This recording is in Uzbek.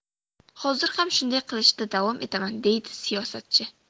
hozir ham shunday qilishda davom etaman deydi siyosatchi